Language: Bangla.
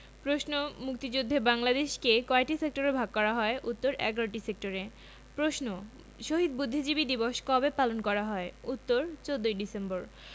প্রশ্ন মুক্তিযুদ্ধে বাংলাদেশকে কয়টি সেক্টরে ভাগ করা হয় উত্তর ১১টি সেক্টরে প্রশ্ন শহীদ বুদ্ধিজীবী দিবস কবে পালন করা হয় উত্তর ১৪ ডিসেম্বর